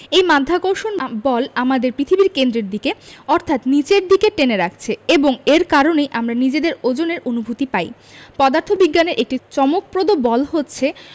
এই মাধ্যাকর্ষণ বল আমাদের পৃথিবীর কেন্দ্রের দিকে অর্থাৎ নিচের দিকে টেনে রাখছে এবং এর কারণেই আমরা নিজেদের ওজনের অনুভূতি পাই পদার্থবিজ্ঞানের একটি চমকপ্রদ বল হচ্ছে